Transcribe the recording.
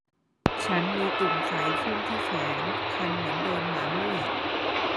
ฉันมีตุ่มใสขึ้นที่แขนคันเหมือนโดนหมามุ่ย